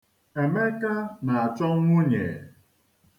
Emeka na-achọ nwunye.